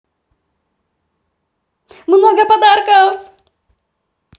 много подарков